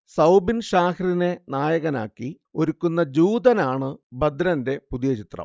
സൗബിൻ ഷാഹിറിനെ നായകനാക്കി ഒരുക്കുന്ന ജൂതനാണ് ദഭ്രന്റെ പുതിയ ചിത്രം